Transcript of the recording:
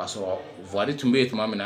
O y'a sɔrɔ wwali tun bɛ yen tuma min na